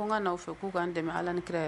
Ko k ka n'aw fɛ k'u'an dɛmɛ ala ni kira yɛrɛ